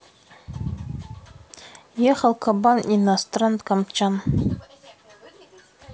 ехал кабан иностран камчат